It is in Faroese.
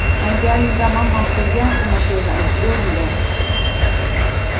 ein dagin bað mamman fríða um at gera eitt ørindi